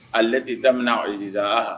Alelɛti daminɛ o yedi a